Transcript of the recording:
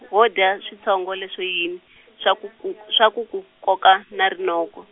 wo dya switshongo leswo yini, swa ku ku, swa ku ku koka na rinoko?